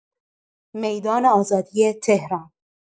میدان آزادی تهران